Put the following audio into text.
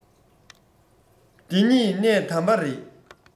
འདི གཉིས གནད དམ པ རེད